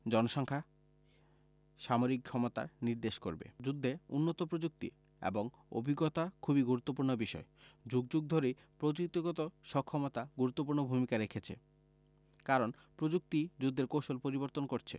জনসংখ্যা সামরিক সক্ষমতা নির্দেশ করবে যুদ্ধে উন্নত প্রযুক্তি এবং অভিজ্ঞতা খুবই গুরুত্বপূর্ণ বিষয় যুগ যুগ ধরেই প্রযুক্তিগত সক্ষমতা গুরুত্বপূর্ণ ভূমিকা রেখেছে কারণ প্রযুক্তিই যুদ্ধের কৌশল পরিবর্তন করছে